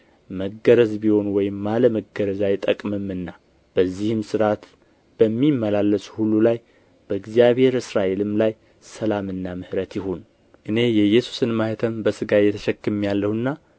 መገረዝ ቢሆን ወይም አለመገረዝ አይጠቅምምና በዚህም ሥርዓት በሚመላለሱ ሁሉ ላይ በእግዚአብሔር እስራኤልም ላይ ሰላምና ምሕረት ይሁን እኔ የኢየሱስን ማኅተም በሥጋዬ ተሸክሜአለሁና